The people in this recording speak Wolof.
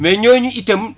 mais ñooñu itam